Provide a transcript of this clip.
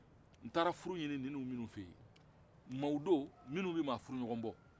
n taara furu ɲini ninnu minnu fɛ yen mɔgɔw do minnu bɛ mɔgɔ furuɲɔgɔ bɔ